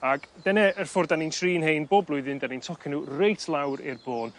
ag dyne yr ffor 'dan ni'n trin 'hein bob blwyddyn 'dan ni'n tocio n'w reit lawr i'r bôn